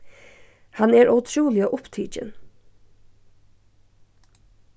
hann er ótrúliga upptikin